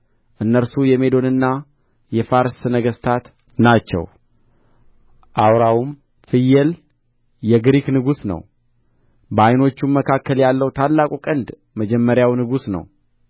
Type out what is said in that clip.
እነርሱ የሜዶንና የፋርስ ነገሥታት ናቸው አውራውም ፍየል የግሪክ ንጉሥ ነው በዓይኖቹም መካከል ያለው ታላቁ ቀንድ መጀመሪያው ንጉሥ ነው